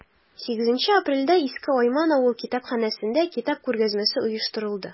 8 апрельдә иске айман авыл китапханәсендә китап күргәзмәсе оештырылды.